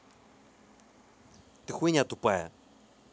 ты хуйня тупая